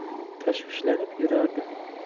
tashvishlanib yurardim